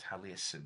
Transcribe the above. Taliesin.